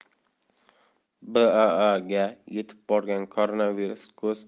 baaga yetib borgan koronavirus ko'z